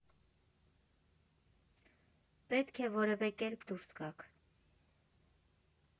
Պետք է որևէ կերպ դուրս գաք։